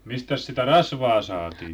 mistäs sitä rasvaa saatiin